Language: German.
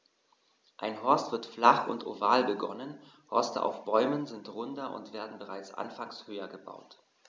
Ein Horst wird flach und oval begonnen, Horste auf Bäumen sind runder und werden bereits anfangs höher gebaut.